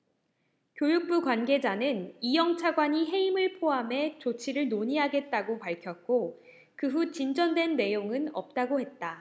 교육부 관계자는 이영 차관이 해임을 포함해 조치를 논의하겠다고 밝혔고 그 후 진전된 내용은 없다고 했다